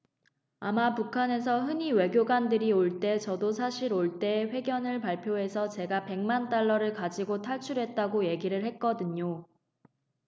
아마 북한에서 흔히 외교관들이 올 때 저도 사실 올 때 회견을 발표해서 제가 백 만 달러를 가지고 탈출했다고 이야기를 했거든요